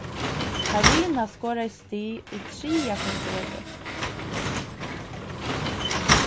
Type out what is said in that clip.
karina skoraði stig í triðja korteri